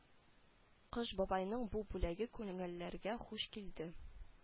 Кыш бабайның бу бүләге күңелләргә хуш килде